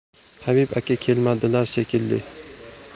habib aka kelmabdilar shekilli